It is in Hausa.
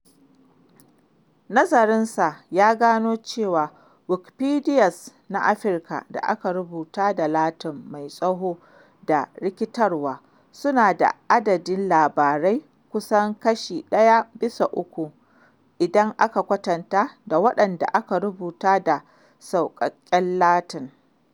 Nazarin sa ya gano cewa Wikipedias na Afrika da aka rubuta da Latin mai tsawo da rikitarwa suna da adadin labarai kusan kashi ɗaya bisa uku idan aka kwatanta da waɗanda aka rubuta da sauƙaƙƙen Latin.